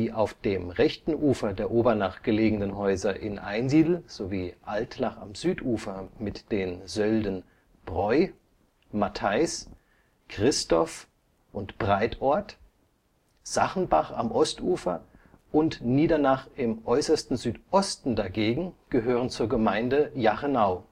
auf dem rechten Ufer der Obernach gelegenen Häuser in Einsiedl sowie Altlach am Südufer mit den Sölden Bräu, Matheis, Christoph und Breitort, Sachenbach am Ostufer und Niedernach im äußersten Südosten dagegen gehören zur Gemeinde Jachenau